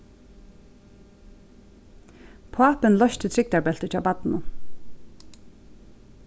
pápin loysti trygdarbeltið hjá barninum